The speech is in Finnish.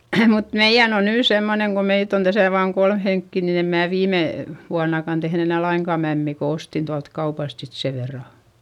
mutta meidän on nyt semmoinen kun meitä on tässä vain kolme henkeä niin en minä viime vuonnakaan tehnyt enää lainkaan mämmiä kun ostin tuolta kaupasta sitten sen verran